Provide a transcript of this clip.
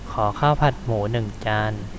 ขอข้าวผัดหมูหนึ่งจาน